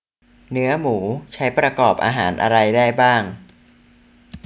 เนื้อหมูใช้ประกอบอาหารอะไรได้บ้าง